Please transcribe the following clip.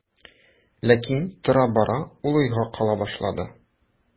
Ләкин тора-бара ул уйга кала башлады.